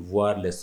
B waarɛs